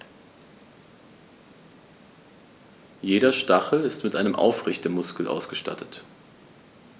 Jeder Stachel ist mit einem Aufrichtemuskel ausgestattet.